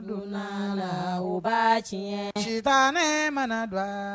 Tulolaba tiɲɛtan mana don